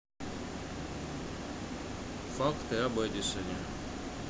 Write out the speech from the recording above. факты об эдисоне